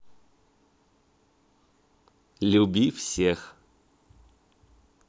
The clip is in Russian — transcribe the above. люби всех